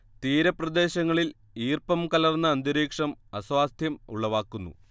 തീരപ്രദേശങ്ങളിൽ ഈർപ്പം കലർന്ന അന്തരീക്ഷം അസ്വാസ്ഥ്യം ഉളവാക്കുന്നു